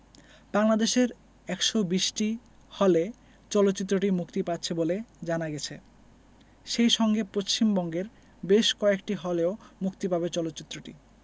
বাংলাদেশের ১২০টি হলে চলচ্চিত্রটি মুক্তি পাচ্ছে বলে জানা গেছে সেই সঙ্গে পশ্চিমবঙ্গের বেশ কয়েকটি হলেও মুক্তি পাবে চলচ্চিত্রটি